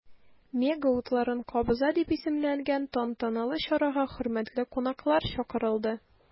“мега утларын кабыза” дип исемләнгән тантаналы чарага хөрмәтле кунаклар чакырылды.